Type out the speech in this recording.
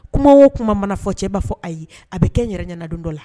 Kuma o kuma mana fɔ cɛ b'a fɔ a ye a bɛ kɛ yɛrɛ ɲɛnadon dɔ la